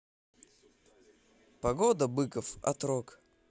погода быков отрог